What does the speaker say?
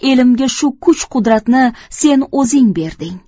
elimga shu kuch qudratni sen o'zing berding